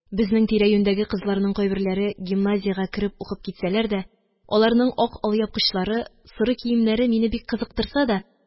Безнең тирә-юньдәге кызларның кайберләре гимназиягә кереп укып китсәләр дә, аларның ак алъяпкычлары, соры киемнәре мине бик кызыктырса да